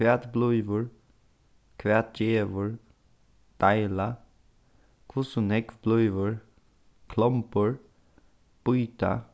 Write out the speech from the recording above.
hvat blívur hvat gevur deila hvussu nógv blívur klombur býta